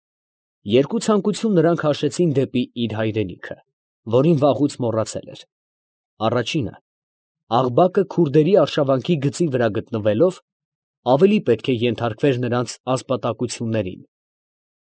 Երկու ցանկություն նրան քաշեցին դեպի իր հայրենիքը, որին վաղուց մոռացել էր. առաջինը, Աղբակը քուրդերի արշավանքի գծի վրա գտնվելով, ավելի պետք է ենթարկվեր նրանց ասպատակություններին,